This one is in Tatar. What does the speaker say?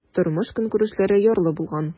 Тормыш-көнкүрешләре ярлы булган.